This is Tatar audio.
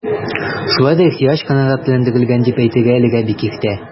Шулай да ихтыяҗ канәгатьләндерелгән дип әйтергә әлегә бик иртә.